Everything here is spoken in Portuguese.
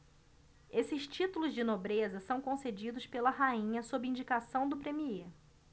esses títulos de nobreza são concedidos pela rainha sob indicação do premiê